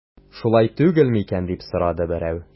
Шулай түгел микән дип сорады берәү.